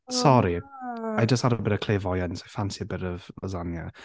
Sorry, I just had a bit of clairvoyance. I fancy a bit of lasagne.